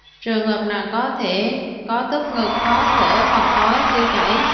trường hợp nặng có thể có tức ngực khó thở hoặc ói tiêu chảy